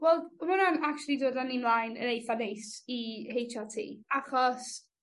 Wel ma' hwnna'n actually dod â ni mlaen yn eitha neis i Heitch Are Tee, achos